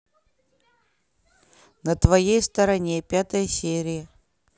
на твоей стороне пятая серия